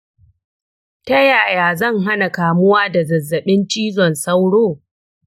ta yaya zan hana kamuwa da zazzaɓin cizon sauro?